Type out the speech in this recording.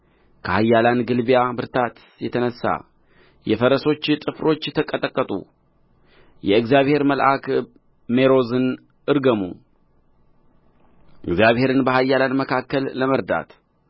ከኃያላን ግልቢያ ብርታት የተነሣ የፈረሶች ጥፍሮች ተቀጠቀጡ የእግዚአብሔር መልአክ ሜሮዝን እርገሙ እግዚአብሔርን በኃያላን መካከል ለመርዳት